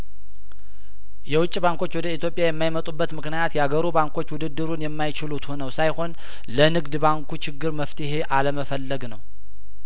የውጭ ባንኮች ወደ ኢትዮጵያ የማይመጡበት ምክንያት ያገሩ ባንኮች ውድድሩን የማይችሉት ሆነው ሳይሆን ለንግድ ባንኩ ችግር መፍትሄ አለመፈለግ ነው